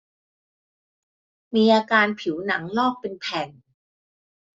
มีอาการผิวหนังลอกเป็นแผ่น